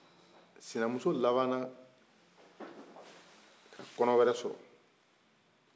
sinamuso labanan ka kɔnɔ wɛrɛ sɔrɔ